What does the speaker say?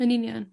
Yn union.